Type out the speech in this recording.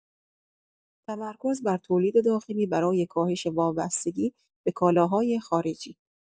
تمرکز بر تولید داخلی برای کاهش وابستگی به کالاهای خارجی